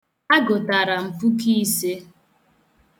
A gụtara m puku ise.